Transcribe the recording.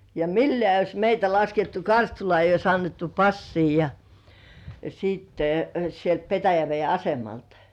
ja millään ei olisi meitä laskettu Karstulaan ei olisi annettu passia ja sitten sieltä Petäjäveden asemalta